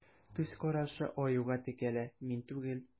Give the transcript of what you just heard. Күз карашы Аюга текәлә: мин түгел.